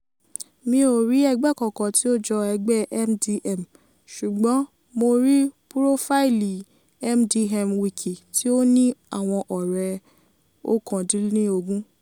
Mi ò rí ẹgbẹ́ kankan tí ó jọ Ẹgbẹ́ MDM, ṣùgbọ́n mo rí púrófáìlì MDMWIKI, tí ó ní àwọn ọ̀rẹ́ 19.